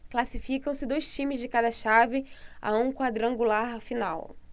classificam-se dois times de cada chave a um quadrangular final